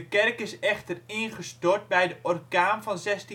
kerk is echter ingestort bij de orkaan van